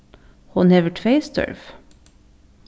hon hevur tvey størv